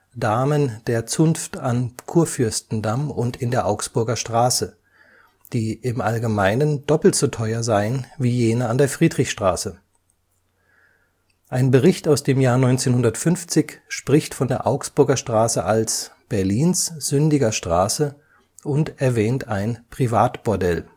Damen der […] Zunft am Kurfürstendamm und in der Augsburger Straße “, die „ im allgemeinen doppelt so teuer “seien wie jene an der Friedrichstraße. Ein Bericht aus dem Jahr 1950 spricht von der Augsburger Straße als „ Berlins sündiger Straße “und erwähnt ein „ Privatbordell